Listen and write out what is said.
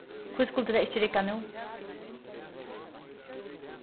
hví skuldi tað ikki riggað nú